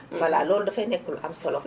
voilà loolu dafay nekk lu am solo